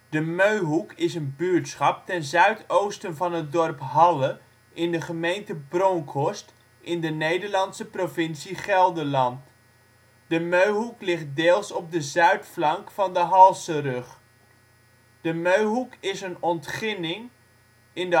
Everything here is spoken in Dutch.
De Meuhoek is een buurtschap ten zuidoosten van het dorp Halle in de gemeente Bronckhorst in de Nederlandse provincie Gelderland. De Meuhoek ligt deels op de zuidflank van de Halserug. Knotelzen in de Meuhoek Winter in de Meuhoek De Meuhoek is een ontginning in